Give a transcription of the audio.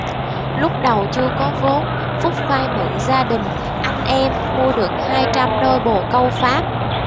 lúc đầu chưa có vốn phúc vay mượn gia đình anh em mua được hai trăm đôi bồ câu pháp